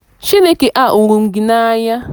Chineke a hụrụ m gị n'anya!